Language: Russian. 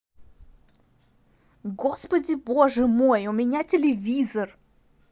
господи боже мой у меня телевизор